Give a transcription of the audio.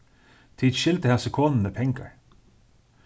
tit skylda hasi konuni pengar